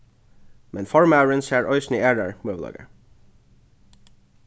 men formaðurin sær eisini aðrar møguleikar